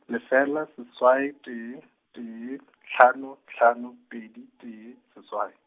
lefela, seswai, tee, tee, hlano, hlano, pedi, tee, seswai.